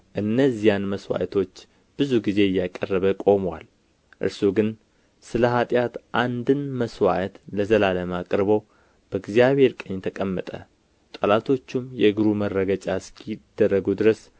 እነዚያን መሥዋዕቶች ብዙ ጊዜ እያቀረበ ቆሞአል እርሱ ግን ስለ ኃጢአት አንድን መሥዋዕት ለዘላለም አቅርቦ በእግዚአብሔር ቀኝ ተቀመጠ ጠላቶቹም የእግሩ መረገጫ እስኪደረጉ ድረስ